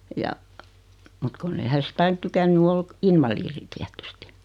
ja mutta kun ei hän sitten aina tykännyt olla invalidi tietysti